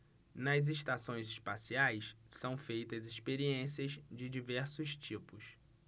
nas estações espaciais são feitas experiências de diversos tipos